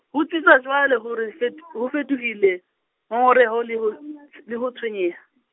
ho tsitsa jwale hore fet-, ho fetohile, ngongoreho le ho, tshw-, le ho tshwenyeha.